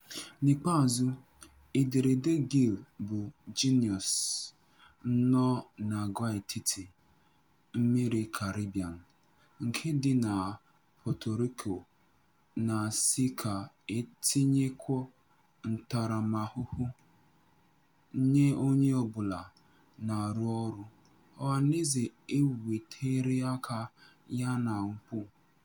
N'ikpeazụ, ederede Gil bụ Jenius nọ n'àgwàetiti mmiri Caribbean nke dị na Puerto Rico na-asị ka e tinyekwo ntaramahụhụ nye onye ọbụla na-arụ ọrụ ọhaneze e nwetere aka ya na mpụ.